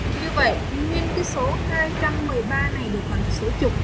như vậy nguyên cái số này được gọi là số trục